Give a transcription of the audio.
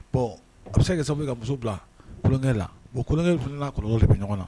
Bon a bɛ se ka kɛ sababu ye ka muso bila tulonkɛ la. O tulonkɛ in fana na kɔlɔlɔ de bɛ ɲɔgɔn na.